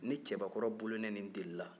ni cɛbakɔrɔ bolo ni nin deli la